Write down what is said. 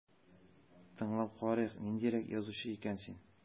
Тыңлап карыйк, ниндирәк язучы икән син...